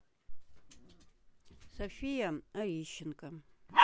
софия орищенко